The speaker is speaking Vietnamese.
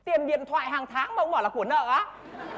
tiền điện thoại hàng tháng mà ông bảo là của nợ á